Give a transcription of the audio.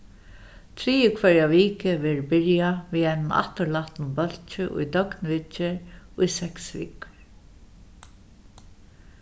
triðju hvørja viku verður byrjað við einum afturlatnum bólki í døgnviðgerð í seks vikur